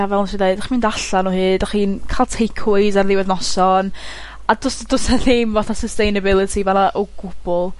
ie a fel nes i deud o' chi'n mynd allan o hyd, o' chi'n ca'l take aways ar ddiwedd noson, a do's dos 'na ddim fatha sustainability fyna o gwbwl.